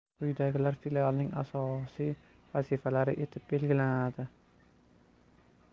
quyidagilar filialning asosiy vazifalari etib belgilanadi